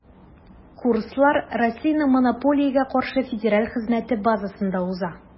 Курслар Россиянең Монополиягә каршы федераль хезмәте базасында уза.